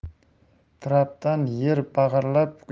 trapdan yer bag'irlab